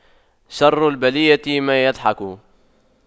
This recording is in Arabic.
شر البلية ما يضحك